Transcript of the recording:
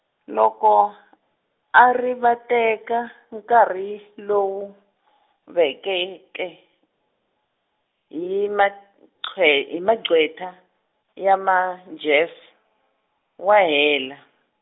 loko, a rivateka nkarhi lowu , vekeke, hi maqwe- hi maqhweta, ya Majeff wa hela.